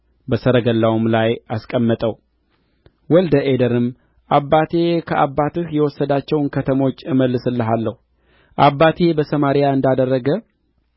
በሰረገላውም ላይ አስቀመጠው ወልደ አዴርም አባቴ ከአባትህ የወሰዳቸውን ከተሞች እመልስልሃለሁ አባቴ በሰማርያ እንዳደረገ